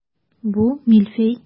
Бу мильфей.